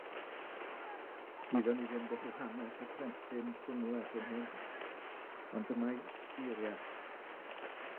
wyddon ni ddim beth yw hanes y plentyn hwnnw erbyn hyn ond dyma'i eirie.